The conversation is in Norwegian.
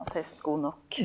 attest god nok.